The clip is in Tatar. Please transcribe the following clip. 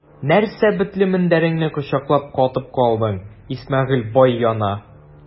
Нәрсә бетле мендәреңне кочаклап катып калдың, Исмәгыйль бай яна!